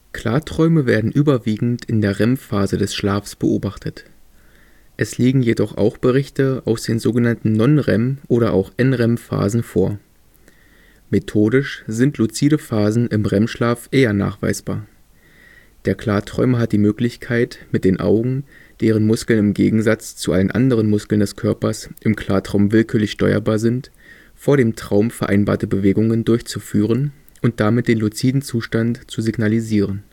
Klarträume werden überwiegend in der REM-Phase des Schlafs beobachtet. Es liegen jedoch auch Berichte aus den sogenannten Non-REM - oder auch NREM-Phasen vor. Methodisch sind luzide Phasen im REM-Schlaf eher nachweisbar. Der Klarträumer hat die Möglichkeit, mit den Augen, deren Muskeln im Gegensatz zu allen anderen Muskeln des Körpers im Klartraum willkürlich steuerbar sind, vor dem Traum vereinbarte Bewegungen durchzuführen und damit den luziden Zustand zu signalisieren